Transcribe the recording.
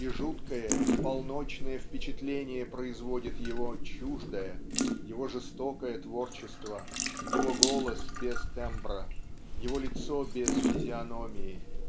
И жуткое и полночное впечатление производит его чуждое его жестокое творчество его голос без тембра его лицо без физиономии